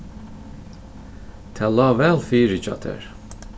tað lá væl fyri hjá tær